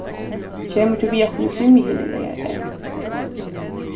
kemur tú við okkum í svimjihylin leygardagin